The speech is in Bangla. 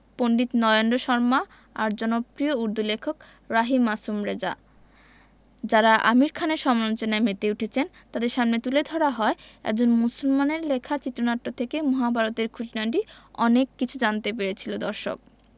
পণ্ডিত নরেন্দ্র শর্মা আর জনপ্রিয় উর্দু লেখক রাহি মাসুম রেজা যাঁরা আমির খানের সমালোচনায় মেতে উঠেছেন তাঁদের সামনে তুলে ধরা হয় একজন মুসলমানের লেখা চিত্রনাট্য থেকে মহাভারত এর খুঁটিনাটি অনেক কিছু জানতে পেরেছিল দর্শক